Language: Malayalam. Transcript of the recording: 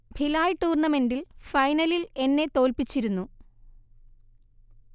ഭിലായ് ടൂർണമെൻിൽ ഫൈനലിൽ എന്നെ തോൽപ്പിച്ചിരുന്നു